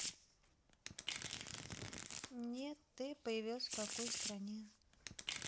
нет ты появился в какой стране